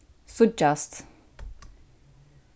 síggjast